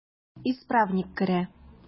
Исправник керә.